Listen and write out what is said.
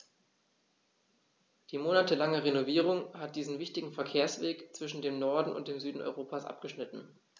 Die monatelange Renovierung hat diesen wichtigen Verkehrsweg zwischen dem Norden und dem Süden Europas abgeschnitten.